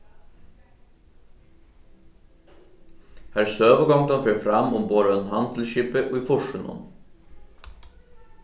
har søgugongdin fer fram umborð á einum handilsskipi í fýrsunum